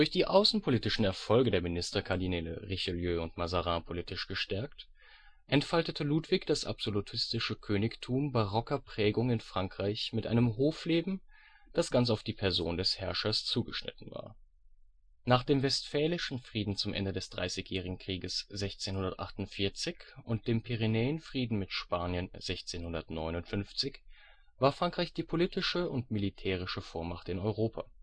die außenpolitischen Erfolge der Minister-Kardinäle Richelieu und Mazarin politisch gestärkt, entfaltete Ludwig das absolutistische Königtum barocker Prägung in Frankreich mit einem Hofleben, das ganz auf die Person des Herrschers zugeschnitten war. Nach dem Westfälischen Frieden zum Ende des Dreißigjährigen Krieges 1648 und dem Pyrenäenfrieden mit Spanien 1659 war Frankreich die politische und militärische Vormacht in Europa